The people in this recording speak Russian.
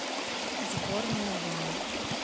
сборная баня